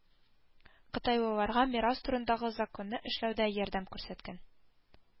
Кытайлыларга Мирас турындагы законны эшләүдә ярдәм күрсәткән